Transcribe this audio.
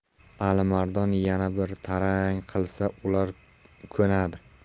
alimardon yana bir tarang qilsa ular ko'nadi